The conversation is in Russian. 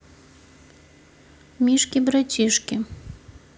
мишка братишка